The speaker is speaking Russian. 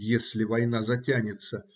"Если война затянется".